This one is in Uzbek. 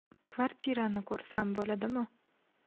kvartirani ko'rsam bo'ladimi